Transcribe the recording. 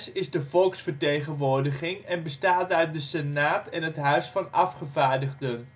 is de volksvertegenwoordiging en bestaat uit de Senaat en het Huis van Afgevaardigden